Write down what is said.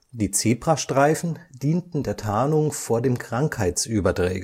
Die Zebra-Streifen dienten der Tarnung vor dem Krankheitsüberträger